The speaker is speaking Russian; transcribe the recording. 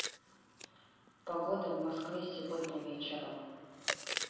погода в москве сегодня вечером